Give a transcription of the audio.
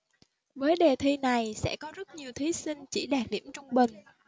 với đề thi này sẽ có rất nhiều thí sinh chỉ đạt điểm trung bình